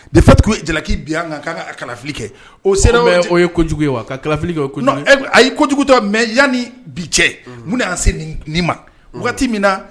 De fait que jalaki bi nan kan k'a kalafili kɛ o ye CEDEAO nɔ ye mais o ye kojugu ye wa, k'an ka kalafili kɛ , o ye kojugu ye, o tɛ kujugu ye mais yanni bi cɛ mun y'an se nin ma, wagati min na